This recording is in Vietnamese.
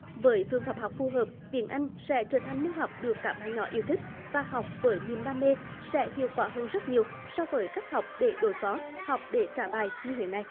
với phương pháp học phù hợp tiếng anh sẽ trở thành môn học được các bạn nhỏ yêu thích và học bởi niềm đam mê sẽ hiệu quả hơn rất nhiều so với cách học để đối phó học để trả bài như hiện nay